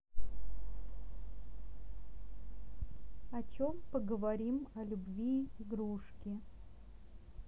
о чем поговорим о любви игрушки